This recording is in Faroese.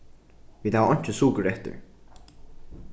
vit hava einki sukur eftir